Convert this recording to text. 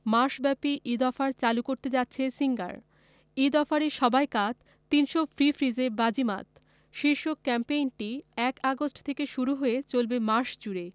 মাসব্যাপী Eid offer চালু করতে যাচ্ছে সিঙ্গার ঈদ অফারে সবাই কাত ৩০০ ফ্রি ফ্রিজে বাজিমাত শীর্ষক ক্যাম্পেইনটি ১ আগস্ট থেকে শুরু হয়ে চলবে মাস জুড়ে